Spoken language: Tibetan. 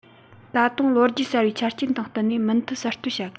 ད དུང ལོ རྒྱུས གསར པའི ཆ རྐྱེན དང བསྟུན ནས མུ མཐུད གསར གཏོད བྱ དགོས